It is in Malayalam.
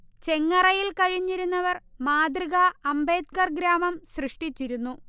ചെങ്ങറയിൽ കഴിഞ്ഞിരുന്നവർ മാതൃകാ അംബേദ്കർ ഗ്രാമം സൃഷ്ടിച്ചിരുന്നു